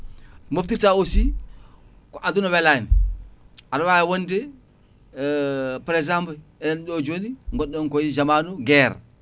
moftirta aussi ko aduna welani aɗa wawi wonde prexempe eɗen ɗo joni gonɗen koye jamanu guerre